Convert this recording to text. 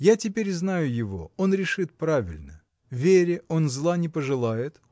Я теперь знаю его — он решит правильно. Вере он зла не пожелает